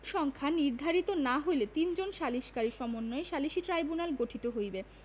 সংখ্যা নির্ধারিত না হইলে তিনজন সালিসকারী সমন্বয়ে সালিসী ট্রাইব্যুনাল গঠিত হইবে